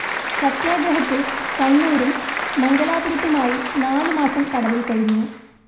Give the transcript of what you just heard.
സത്യാഗ്രഹത്തിൽ കണ്ണൂരും മംഗലാപുരത്തുമായി നാലു മാസം തടവിൽ കഴിഞ്ഞു